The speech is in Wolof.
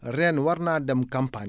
ren war naa dem camapagne